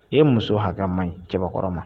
Ee , muso hakɛ man ɲi cɛbakɔrɔ ma.